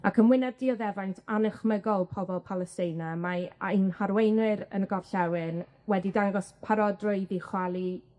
Ac yn wyneb dioddefaint anychmygol pobol Palestina, mae ein harweinwyr yn y gorllewin wedi dangos parodrwydd i chwalu